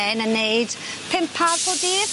'yn yn neud pump pâr pob dydd.